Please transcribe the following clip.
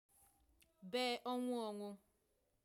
be ọnwụ onwụ